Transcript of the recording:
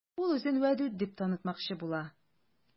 Ул үзен Вәдүт дип танытмакчы була.